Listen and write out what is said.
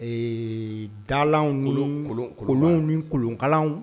Ee da kolon ni kolonka